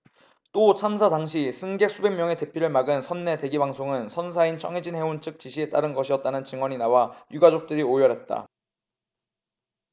또 참사 당시 승객 수백 명의 대피를 막은 선내 대기방송은 선사인 청해진 해운 측 지시에 따른 것이었다는 증언이 나와 유가족들이 오열했다